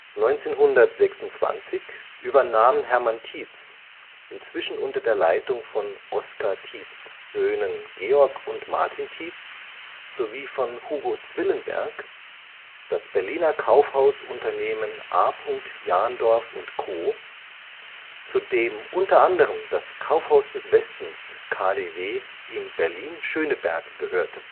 1926 übernahm Hermann Tietz, inzwischen unter der Leitung von Oscar Tietz ' Söhnen Georg und Martin Tietz sowie von Hugo Zwillenberg, das Berliner Kaufhausunternehmen A. Jandorf & Co., zu dem unter anderem das Kaufhaus des Westens (KaDeWe) in Berlin-Schöneberg gehörte